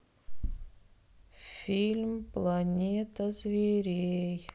фильм планета зверей